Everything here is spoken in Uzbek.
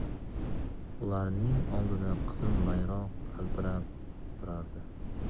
ularning oldida qizil bayroqlar hilpirab turardi